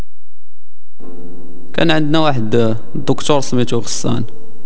كان عندنا وحده